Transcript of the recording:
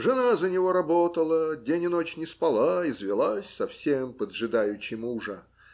Жена за него работала, день и ночь не спала; извелась совсем, поджидаючи мужа.